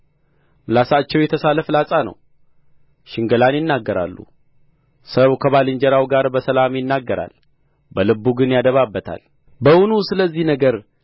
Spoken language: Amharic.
ምላሳቸው የተሳለ ፍላጻ ነው ሽንገላን ይናገራሉ ሰው ከባልንጀራው ጋር በሰላም ይናገራል በልቡ ግን ያደባበታል በውኑ ስለዚህ ነገር